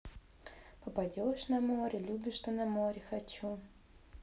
попадешь на море любишь что на море хочу